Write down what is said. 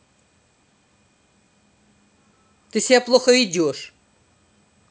ты себя плохо ведешь